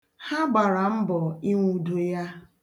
Ha gbara mbọ ịnwụdo ya.